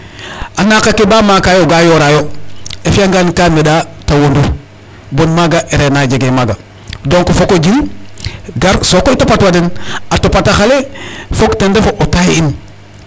Parce que ndaxar o jilangaan xaƴin maaga rek a naaq ake ba maakaayo gaa yooraayo a fi'angaan ga meɗa ta wondu bon maaga RNA jegee maaga. Donc fook o jil gar sokoy topatwaa den a topatax ale fop ten refu o taye'in.